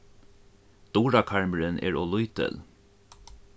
durakarmurin er ov lítil